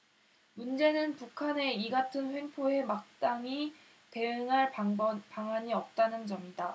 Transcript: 문제는 북한의 이 같은 횡포에 마땅히 대응할 방안이 없다는 점이다